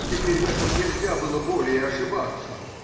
Теперь в этом нельзя было более ошибаться